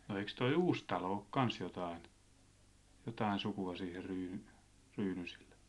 no eikös tuo Uusitalo ole kanssa jotakin jotakin sukua siihen - Ryynysille